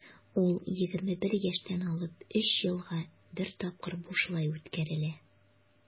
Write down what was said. Ул 21 яшьтән алып 3 елга бер тапкыр бушлай үткәрелә.